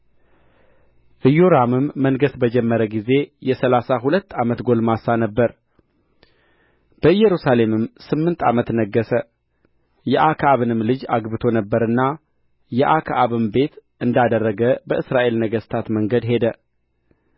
ኢዮራምም መንገሥ በጀመረ ጊዜ የሠላሳ ሁለት ዓመት ጕልማሳ ነበረ በኢየሩሳሌምም ስምንት ዓመት ነገሠ የአክአብንም ልጅ አግብቶ ነበርና የአክዓብ ቤት እንዳደረገ በእስራኤል ነገሥታት መንገድ ሄደ